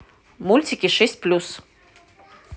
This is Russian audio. мультики шесть плюс